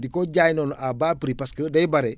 di ko jaay noonu à bas prix parce que day bare